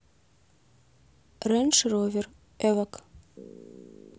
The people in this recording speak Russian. рэнж ровер эвок